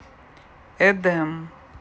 эдем